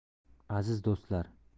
aziz do'stlar